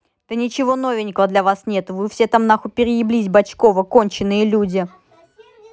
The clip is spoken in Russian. да ничего новенького для вас нету вы все там нахуй перееблись бочкова конченные люди